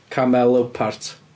Camel-Lewpart.